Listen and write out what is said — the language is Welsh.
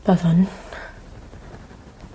Baddwn.